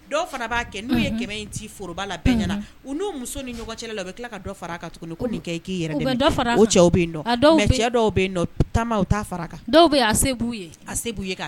Dɔw fana b'a kɛ n'u ye kɛmɛ ci foro la bɛɛ u n muso ni ɲɔgɔn u bɛ tila ka fara kan tuguni nin k'i dɔw dɔw taama fara kan dɔw bɛ a b' a b'u